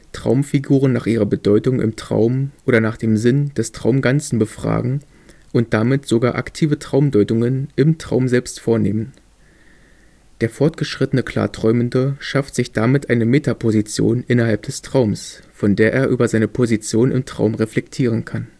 Traumfiguren nach ihrer Bedeutung im Traum oder nach dem Sinn des Traumganzen befragen und damit sogar aktive Traumdeutungen im Traum selbst vornehmen. Der fortgeschrittene Klarträumende schafft sich damit eine „ Metaposition “innerhalb des Traums, von der er über seine Position im Traum reflektieren kann